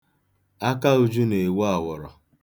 Aka Uju na-ewo awọrọ.